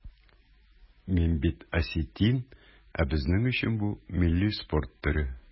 Мин бит осетин, ә безнең өчен бу милли спорт төре.